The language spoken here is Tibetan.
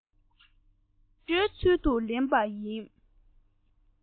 བུམ པ གང བྱོའི ཚུལ དུ ལེན པ ཡིན